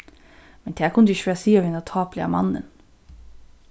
men tað kundi eg ikki fara at siga við henda tápuliga mannin